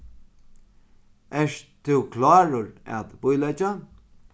ert tú klárur at bíleggja